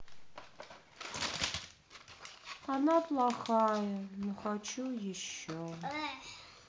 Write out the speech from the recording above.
она плохая но хочу еще